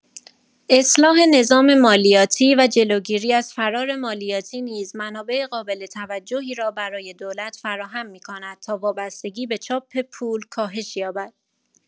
اصلاح نظام مالیاتی و جلوگیری از فرار مالیاتی نیز منابع قابل توجهی را برای دولت فراهم می‌کند تا وابستگی به چاپ پول کاهش یابد.